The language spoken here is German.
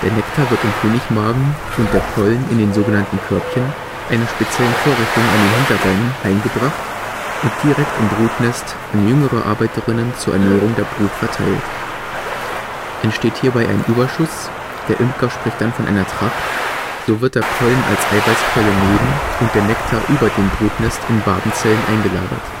Nektar wird im Honigmagen und der Pollen in den sogenannten Körbchen, einer speziellen Vorrichtung an den Hinterbeinen, heimgebracht und direkt im Brutnest an jüngere Arbeiterinnen zur Ernährung der Brut verteilt. Entsteht hierbei ein Überschuss – der Imker spricht dann von einer Tracht – so wird der Pollen als Eiweißquelle neben und der Nektar über dem Brutnest in Wabenzellen eingelagert